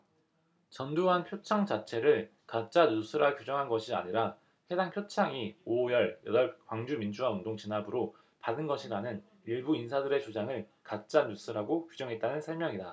전두환 표창 자체를 가짜 뉴스라 규정한 것이 아니라 해당 표창이 오 열 여덟 광주민주화 운동 진압으로 받은 것이라는 일부 인사들의 주장을 가짜 뉴스라고 규정했다는 설명이다